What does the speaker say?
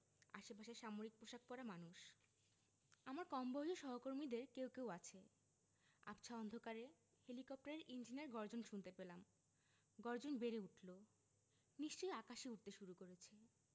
আশেপাশে সামরিক পোশাক পরা মানুষ আমার কমবয়সী সহকর্মীদের কেউ কেউ আছে আবছা অন্ধকারে হেলিকপ্টারের ইঞ্জিনের গর্জন শুনতে পেলাম গর্জন বেড়ে উঠলো নিশ্চয়ই আকাশে উড়তে শুরু করছে